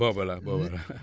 boobu la boobu la